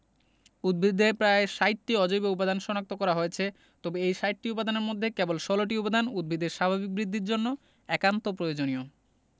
উদ্ভিদে প্রায় ৬০টি অজৈব উপাদান শনাক্ত করা হয়েছে তবে এই ৬০টি উপাদানের মধ্যে কেবল ১৬টি উপাদান উদ্ভিদের স্বাভাবিক বৃদ্ধির জন্য একান্ত প্রয়োজনীয়